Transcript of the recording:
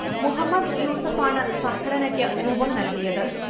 മുഹമ്മദ് യൂസഫാണ് സംഘടനയ്ക്ക് രൂപം നൽകിയത്